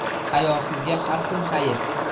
hayosizga har kun hayit